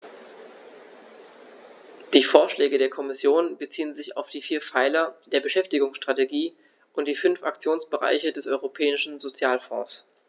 Die Vorschläge der Kommission beziehen sich auf die vier Pfeiler der Beschäftigungsstrategie und die fünf Aktionsbereiche des Europäischen Sozialfonds.